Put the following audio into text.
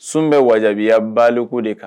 Sun bɛ wajabiya baliku de kan